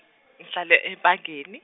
ngihlala Empangeni.